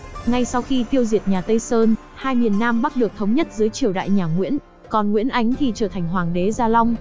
ngay sau khi tiêu diệt nhà tây sơn hai miền nam bắc được thống nhất dưới triều đại nhà nguyễn còn nguyễn ánh thì lên ngôi trở thành hoàng đế gia long